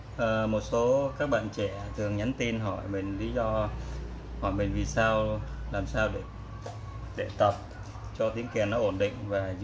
một số các bạn trẻ thường nhắn tin hỏi tôi làm sao để có tiếng kèn ổn định để tập cho tiếng kèn ổn định